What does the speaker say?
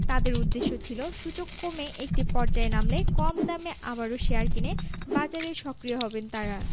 তাঁদের উদ্দেশ্য ছিল সূচক কমে একটি পর্যায়ে নামলে কম দামে আবারও শেয়ার কিনে বাজারে সক্রিয় হবেন তাঁরা